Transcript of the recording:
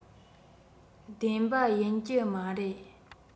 བདེན པ ཡིན གྱི མ རེད